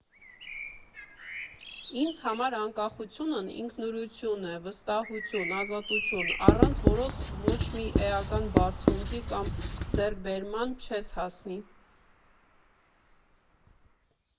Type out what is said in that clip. Ինձ համար անկախությունն ինքնուրույնություն է, վստահություն, ազատություն, առանց որոնց ոչ մի էական բարձունքի կամ ձեռքբերման չես հասնի։